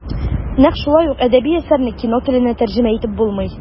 Нәкъ шулай ук әдәби әсәрне кино теленә тәрҗемә итеп булмый.